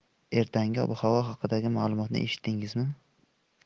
ertangi ob havo haqidagi ma'lumotni eshitdingizmi